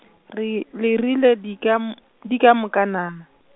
re, le rile di ka -m, di ka moka naa?